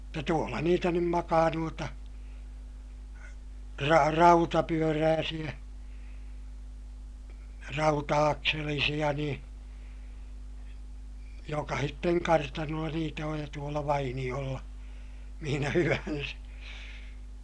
mutta tuolla niitä nyt makaa noita - rautapyöräisiä rauta-akselisia niin jokaisen kartanolla niitä on ja tuolla vainiolla missä hyvänsä